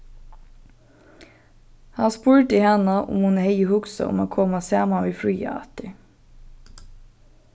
hann spurdi hana um hon hevði hugsað um at koma saman við fríða aftur